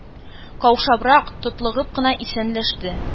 Каушабрак, тотлыгып кына исәнләште.